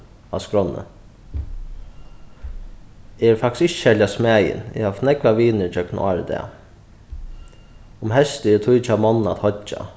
á skránni eg eri faktiskt ikki serliga smæðin eg havi havt nógvar vinir gjøgnum ár og dag um heystið er tíð hjá monnum at hoyggja